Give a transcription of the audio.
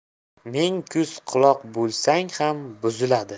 ming ko'z quloq bo'lsang ham buziladi